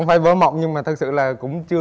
phải vỡ mộng nhưng mà thực sự là cũng chưa